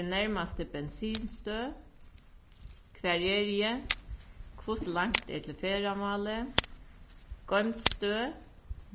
finn nærmastu bensinstøð hvar eri eg hvussu langt er til ferðamálið goymd støð